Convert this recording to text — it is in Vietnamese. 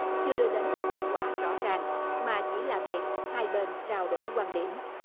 chưa đưa đến một kết quả rõ ràng mà chỉ là việc hai bên trao đổi quan điểm